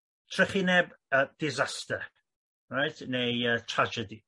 Trychineb yy disaster reit neu yy tragedy.